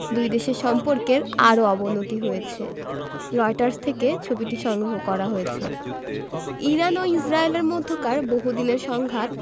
দুই দেশের সম্পর্কের আরও অবনতি হয়েছে রয়টার্স থেকে ছবিটি সংগ্রহ করা হয়েছে ইরান ও ইসরায়েলের মধ্যকার বহুদিনের সংঘাত